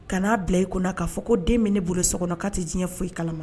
Kana'a bila i kɔnɔ k'a fɔ ko den min ne bolo so kɔnɔ k'a tɛ diɲɛ foyi i kalama